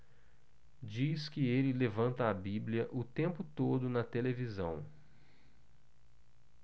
diz que ele levanta a bíblia o tempo todo na televisão